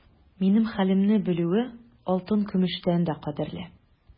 Минем хәлемне белүе алтын-көмештән дә кадерле.